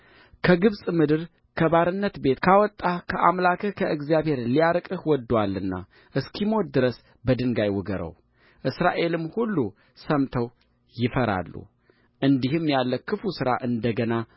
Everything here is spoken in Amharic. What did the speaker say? ከግብፅ ምድር ከባርነት ቤት ካወጣህ ከአምላክህ ከእግዚአብሔር ሊያርቅህ ወድዶአልና እስኪሞት ድረስ በድንጋይ ውገረው እስራኤልም ሁሉ ሰምተው ይፈራሉ እንዲህም ያለ ክፉ ሥራ እንደ ገና